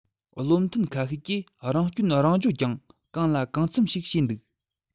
བློ མཐུན ཁ ཤས ཀྱིས རང སྐྱོན རང བརྗོད ཀྱང གང ལ གང འཚམ ཞིག བྱས འདུག